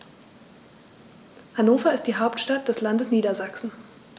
Hannover ist die Hauptstadt des Landes Niedersachsen.